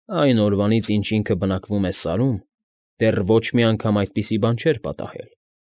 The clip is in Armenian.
Այն օրվանից, ինչ ինքը բնակվում է սարում, դեռ ոչ մի անգամ այդպիսի բան չէր պատահել։